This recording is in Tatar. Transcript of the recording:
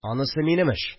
Анысы – минем эш